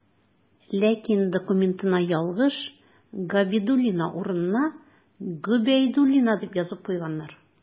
Ләкин документына «Габидуллина» урынына ялгыш «Гобәйдуллина» дип язып куйганнар.